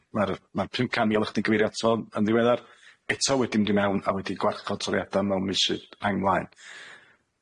Ma'r ma'r pum can mil da chi di gyfeirio ato yn ddiweddar eto wedi mynd i mewn a wedi gwarchod toriada mewn misydd, ai'n mlaen.